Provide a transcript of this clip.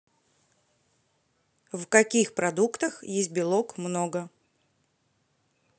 в каких продуктах есть белок много